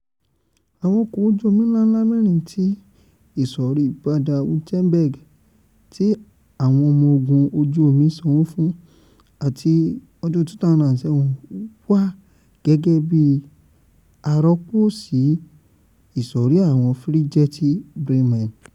Àwọn ọkọ̀ ojú omi ńlá mẹ́rin ti ìsọ̀rí Baden-Wuerttemberg tí Àwọn ọmọ ogún ojú omi sànwó fún ;áti 2007 máa wá gẹ́gẹ́bí arọ́pò sí ìṣọ̀rí àwọn fírígéétì Bremen.